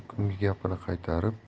kungi gapini qaytarib